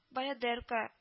Баядерка, Д